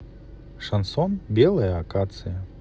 шансон белая акация